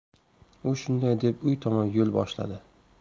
u shunday deb uy tomon yo'l boshladi